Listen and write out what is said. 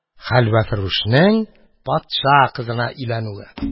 Хәлвәфрүшнең патша кызына өйләнүе